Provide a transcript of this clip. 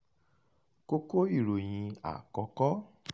Kókó ìròyìn àkọ́kọ́